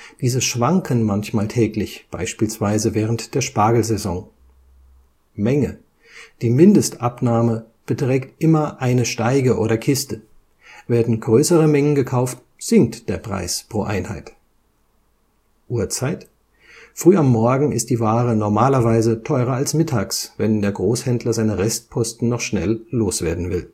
Diese schwanken manchmal täglich, beispielsweise während der Spargelsaison Menge: Die Mindestabnahme beträgt immer eine Steige oder Kiste; werden größere Mengen gekauft, sinkt der Preis pro Einheit Uhrzeit: Früh am Morgen ist die Ware normalerweise teurer als mittags, wenn der Großhändler seine Restposten noch schnell loswerden